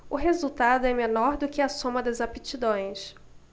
o resultado é menor do que a soma das aptidões